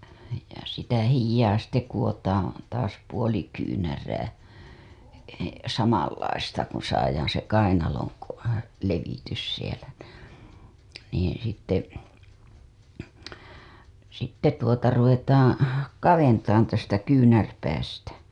ja sitä hihaa kudotaan taas puoli kyynärää samanlaista kuin saadaan se kainalon - levitys siellä - niin sitten sitten tuota ruvetaan kaventamaan tästä kyynärpäästä